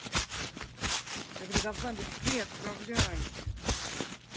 тогда давай быстрей исправляй